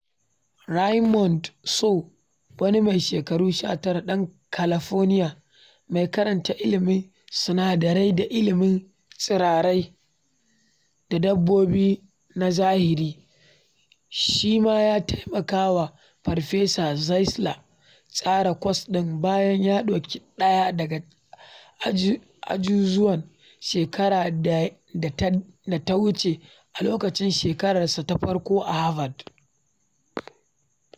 Raymond So, wani mai shekaru 19 ɗan California mai karanta ilmin sinadarai da ilmin tsirrai da dabbobi na zahiri, shi ya taimaka wa Farfesa Czeisler tsara kwas ɗin, bayan ya ɗauki ɗaya daga ajizuwan shekarar da ta wuce a lokacin shekararsa ta farko a Harvard.